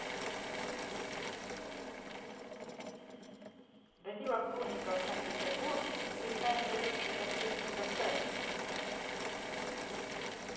данила курников в санкт петербурге мы летаем для летчиков песня концерт